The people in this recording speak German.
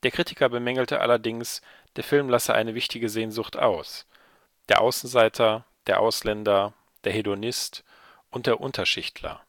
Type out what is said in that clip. Kritiker bemängelte allerdings, der Film lasse eine wichtige Sehnsucht aus. „ Der Außenseiter, der Ausländer, der Hedonist und der Unterschichtler